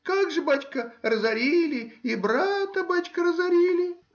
Как же, бачка, разорили, и брата, бачка, разорили.